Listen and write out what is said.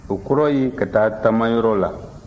o kɔrɔ ye ka taa taamayɔrɔ la